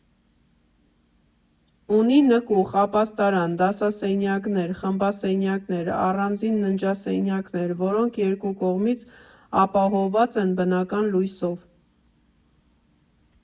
Ունի նկուղ, ապաստարան, դասասենյակներ, խմբասենյակներ, առանձին ննջասենյակներ, որոնք երկու կողմից ապահովված են բնական լույսով։